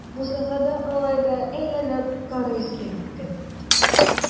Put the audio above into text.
Бусагада алай да әйләнеп карыйсы иттем.